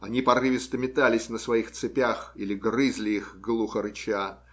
они порывисто метались на своих цепях или грызли их, глухо рыча.